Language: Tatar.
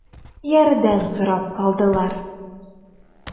Ярдәм сорап калдылар.